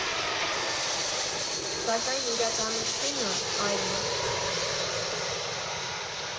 Սակայն իրականությունն այլ է։